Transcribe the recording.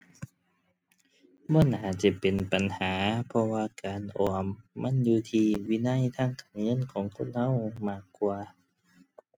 บ่น่าจะเป็นปัญหา เพราะว่าการออม มันอยู่ที่วินัยทางการเงินของคนเรามากกว่า